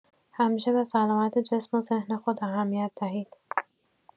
همیشه به سلامت جسم و ذهن خود اهمیت دهید.